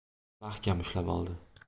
mahkam ushlab oldi